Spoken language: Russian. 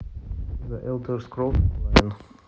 зе елдер скролс онлайн